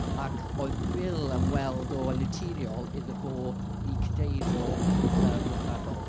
Ac oedd Bill am weld o yn naturiol iddo fo i cadeirio pethau ryngwladol.